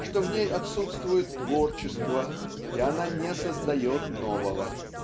что в ней отсутствует творчество и она не создает нового